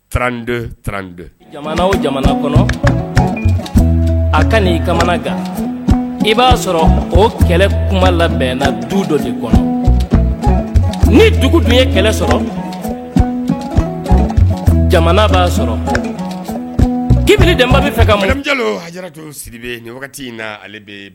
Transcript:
Tran o a ka gan i b'a sɔrɔ o kɛlɛ kuma labɛn na du dɔ de kɔnɔ ni dugu dun ye kɛlɛ sɔrɔ jamana b'a sɔrɔ k'ib denba bɛ fɛ siri na ale bɛ